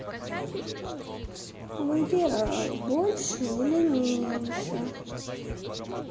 выбирай больше или меньше